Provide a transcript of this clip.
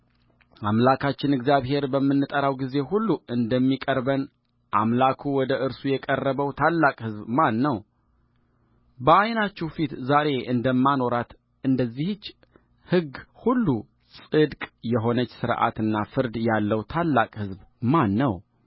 አምላካችን እግዚአብሔር በምንጠራው ጊዜ ሁሉ እንደሚቀርበን አምላኩ ወደ እርሱ የቀረበው ታላቅ ሕዝብ ማን ነው በዓይናችሁ ፊት ዛሬ እንደማኖራት እንደዚህች ሕግ ሁሉ ጽድቅ የሆነች ሥርዓትና ፍርድ ያለው ታላቅ ሕዝብ ማን ነው